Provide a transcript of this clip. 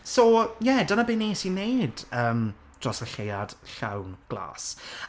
so, ie, dyna be wnes i wneud, yym, dros y lleuad llawn glas.